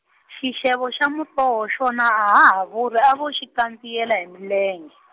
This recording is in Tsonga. xixevo xa muroho xona a ha ha vuri a vo xikandziyela hi milenge.